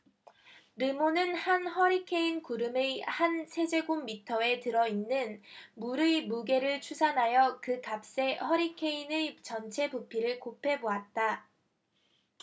르몬은 한 허리케인 구름의 한 세제곱미터에 들어 있는 물의 무게를 추산하여 그 값에 허리케인의 전체 부피를 곱해 보았다